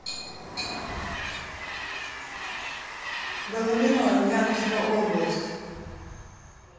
головиной ульяновская область